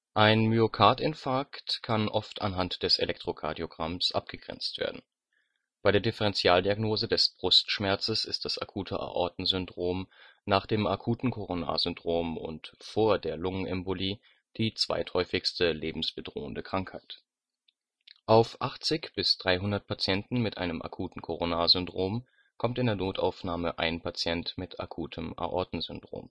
Ein Myokardinfarkt kann oft anhand des Elektrokardiogramms (EKG) abgegrenzt werden. Bei der Differenzialdiagnose des Brustschmerzes ist das akute Aortensyndrom nach dem akuten Koronarsyndrom und vor der Lungenembolie die zweithäufigste lebensbedrohende Krankheit. Auf 80 bis 300 Patienten mit einem akuten Koronarsyndrom kommt in der Notaufnahme ein Patient mit akutem Aortensyndrom